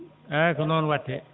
eeyi ko noon waɗetee